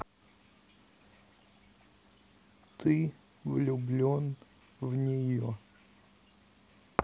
ты влюблен в нее